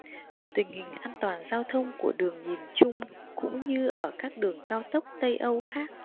tình hình an toàn giao thông của đường nhìn chung cũng như ở các đường cao tốc tây âu khác